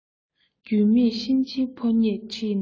རྒྱུས མེད གཤིན རྗེ ཕོ ཉས ཁྲིད ནས